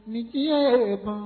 Nin diɲɛ yee ban